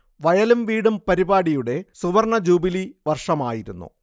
വയലും വീടും പരിപാടിയുടെ സുവർണ്ണ ജൂബിലി വർഷമായിരുന്നു